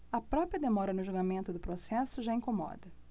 a própria demora no julgamento do processo já incomoda